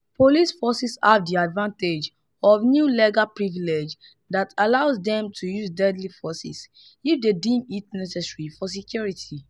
Police forces have the advantage of new legal privileges that allow them to use deadly force if they deem it necessary for security reasons.